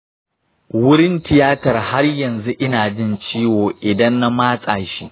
wurin tiyatar har yanzu ina jin ciwo idan na matsa shi.